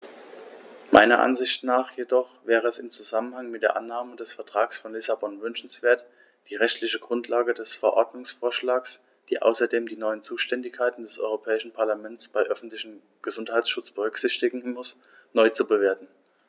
Meiner Ansicht nach jedoch wäre es im Zusammenhang mit der Annahme des Vertrags von Lissabon wünschenswert, die rechtliche Grundlage des Verordnungsvorschlags, die außerdem die neuen Zuständigkeiten des Europäischen Parlaments beim öffentlichen Gesundheitsschutz berücksichtigen muss, neu zu bewerten.